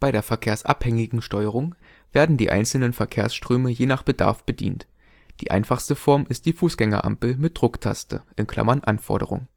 der verkehrsabhängigen Steuerung werden die einzelnen Verkehrsströme je nach Bedarf bedient. Die einfachste Form ist die Fußgängerampel mit Drucktaste (Anforderung